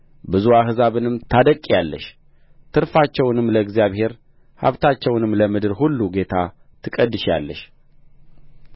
ብዙ አሕዛብንም ታደቅቂአለሽ ትርፋቸውንም ለእግዚአብሔር ሀብታቸውንም ለምድር ሁሉ ጌታ ትቀድሻለሽ